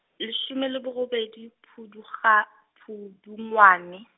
leshome le bo robedi Phuduga-, Pudungwane.